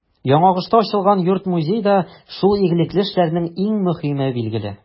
Яңагошта ачылган йорт-музей да шул игелекле эшләрнең иң мөһиме, билгеле.